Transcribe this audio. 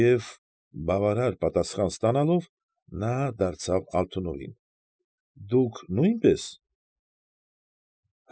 Եվ, բավարար պատասխան ստանալով, նա դարձավ Ալթունովին։ ֊ Դուք նույնպե՞ս։